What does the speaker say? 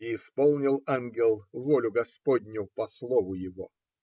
И исполнил ангел волю господню по слову его.